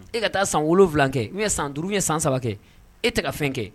E ka taa san wolo wolonwula kɛ n ye san d ye san saba kɛ e tɛ ka fɛn kɛ